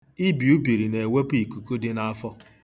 Ibi ubiri na-ewepụ ikuku dị n'afọ